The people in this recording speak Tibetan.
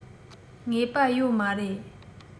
ངེས པ ཡོད མ རེད